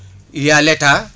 y' a l' état